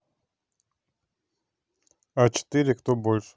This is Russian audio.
а четыре кто больше